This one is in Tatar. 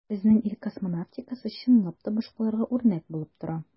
Безнең ил космонавтикасы, чынлап та, башкаларга үрнәк булып тора.